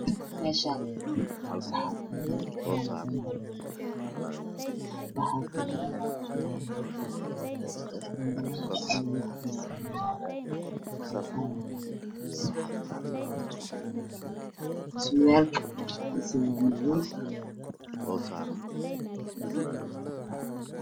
Meeshaan waxaa taagan hal bon banbalo waxaa ugu juro surwaal bonbalaha midib kiisu yahay cadaan